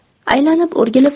aylanib o'rgilib